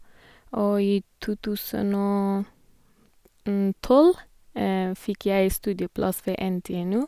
Og i to tusen og tolv fikk jeg studieplass ved NTNU.